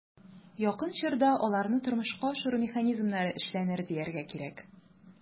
Якын чорда аларны тормышка ашыру механизмнары эшләнер, дияргә кирәк.